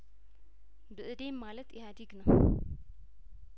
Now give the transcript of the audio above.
ብእዴን ማለት ኢህአዲግ ነው